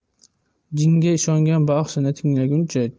jinga ishongan baxshini tinglaguncha